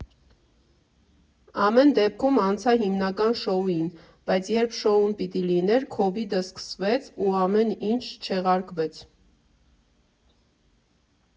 Ամեն դեպքում, անցա հիմնական շոուին, բայց երբ շոուն պիտի լիներ, քովիդը սկսվեց ու ամեն ինչ չեղարկվեց։